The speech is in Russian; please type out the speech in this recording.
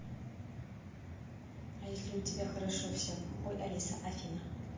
а если у тебя хорошо все ой алиса афина